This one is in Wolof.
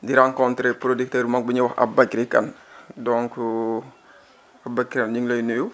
di rencontré producteur bu mag bu ñuy wax Aboubacry Kane donc aboubacry Kane ñu ngi lay nuyu